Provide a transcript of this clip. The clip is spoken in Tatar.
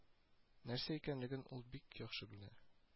Нәрсә икәнлеген ул бик яхшы белә